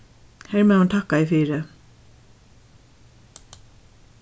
hermaðurin takkaði fyri